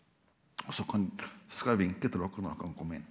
også kan skal eg vinke til dokker når dokker kan komme inn.